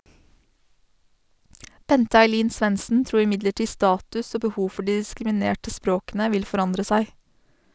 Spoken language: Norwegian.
Bente Ailin Svendsen tror imidlertid status og behov for de diskriminerte språkene vil forandre seg.